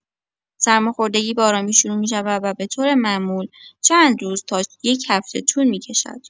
سرماخوردگی به‌آرامی شروع می‌شود و به‌طور معمول چند روز تا یک هفته طول می‌کشد.